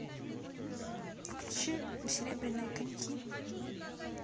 включи серебряные коньки